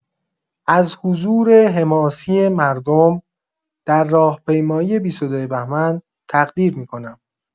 از حضور حماسی مردم در راهپیمایی ۲۲ بهمن تقدیر می‌کنم.